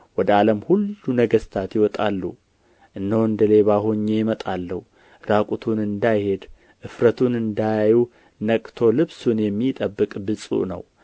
ወደ ዓለም ሁሉ ነገሥታት ይወጣሉ እነሆ እንደ ሌባ ሆኜ እመጣለሁ ራቁቱን እንዳይሄድ እፍረቱንም እንዳያዩ ነቅቶ ልብሱን የሚጠብቅ ብፁዕ ነው